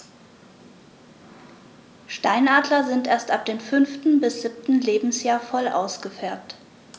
Steinadler sind erst ab dem 5. bis 7. Lebensjahr voll ausgefärbt.